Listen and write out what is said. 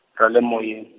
ra le moyen-.